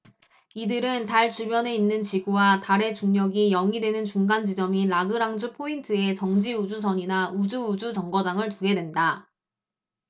이들은 달 주변에 있는 지구와 달의 중력이 영 이 되는 중간 지점인 라그랑쥬포인트에 정지 우주선이나 우주우주정거장을 두게 된다